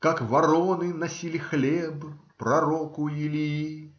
Как вороны носили хлеб пророку Илии.